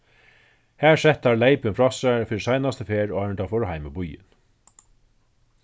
her settu teir leypin frá sær fyri seinastu ferð áðrenn teir fóru heim í býin